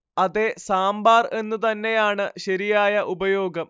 അതെ സാമ്പാർ എന്നു തന്നെയാണ് ശരിയായ ഉപയോഗം